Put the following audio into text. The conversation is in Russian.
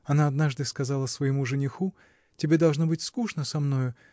Она однажды сказала своему жениху: тебе должно быть скучно со мною